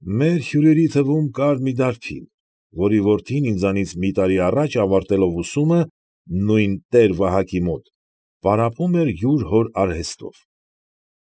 Մեր հյուրերի թվում կար մի դարբին, որի որդին ինձանից մի տարի առաջ ավարտելով ուսումը նույն՝ տեր֊Վահակի մոտ, պարապում էր յուր հոր արհեստով։